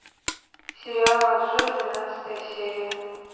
сериал алжир двенадцатая серия